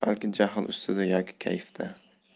balki jahl ustida yoki kayfda